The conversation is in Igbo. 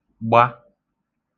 gba